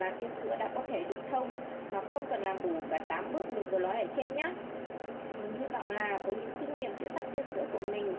là tia sữa đã có thể được thông mà không cần làm đủ bước mà mình nói ở trên mình hy vọng là với những kinh nghiệm chữa tắc tia sữa của mình